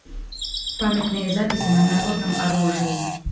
памятные записи на народном оружии